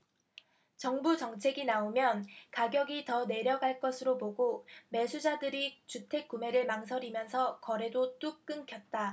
정부 정책이 나오면 가격이 더 내려갈 것으로 보고 매수자들이 주택 구매를 망설이면서 거래도 뚝 끊겼다